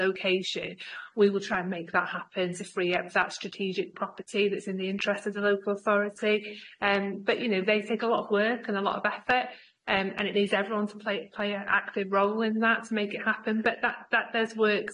location we will try and make that happen to free up that strategic property that's in the interest of the local authority and but you know they take a lot of work and a lot of effort and and it needs everyone to play play a active role in that to make it happen but that that does work